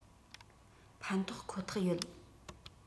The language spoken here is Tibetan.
ཕན ཐོགས ཁོ ཐག ཡོད